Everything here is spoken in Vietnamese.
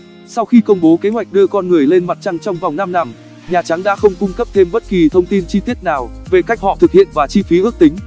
sau khi công bố kế hoạch đưa con người lên mặt trăng trong vòng năm năm nhà trắng đã không cung cấp thêm bất kỳ thông tin chi tiết nào về cách họ thực hiện và chi phí ước tính